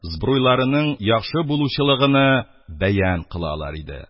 Збруйларының яхшы булучылыгыны бәян кылалар иде.